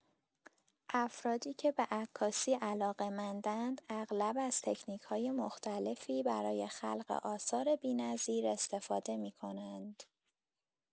افرادی که به عکاسی علاقه‌مندند، اغلب از تکنیک‌های مختلفی برای خلق آثار بی‌نظیر استفاده می‌کنند.